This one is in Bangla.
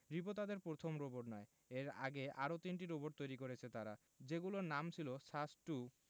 রিবো তাদের প্রথম রোবট নয় এর আগে আরও তিনটি রোবট তৈরি করেছে তারা যেগুলোর নাম ছিল সাস্ট টু